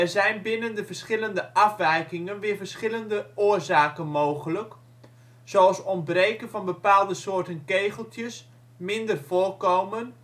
zijn binnen de verschillende afwijkingen weer verschillende oorzaken mogelijk, zoals ontbreken van bepaalde soorten kegeltjes, minder voorkomen